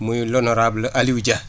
muy l( honorable Aliou Dia